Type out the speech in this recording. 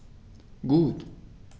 Gut.